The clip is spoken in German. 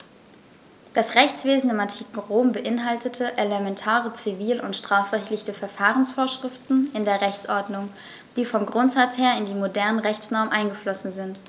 Das Rechtswesen im antiken Rom beinhaltete elementare zivil- und strafrechtliche Verfahrensvorschriften in der Rechtsordnung, die vom Grundsatz her in die modernen Rechtsnormen eingeflossen sind.